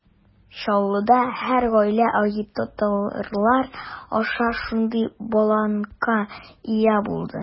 Чаллыда һәр гаилә агитаторлар аша шундый бланкка ия булды.